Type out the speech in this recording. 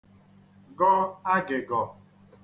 gọ agị̀gọ̀